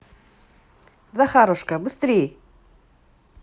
захарушка быстрей